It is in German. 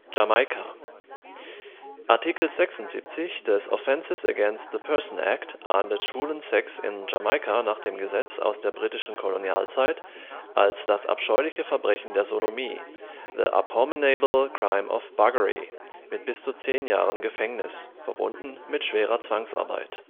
Jamaika Artikel 76 des Offenses against the Person Act ahndet schwulen Sex in Jamaika nach einem Gesetz aus der britischen Kolonialzeit als „ das abscheuliche Verbrechen der Sodomie “(the abhominable crime of buggery) mit bis zu zehn Jahren Gefängnis, verbunden mit schwerer Zwangsarbeit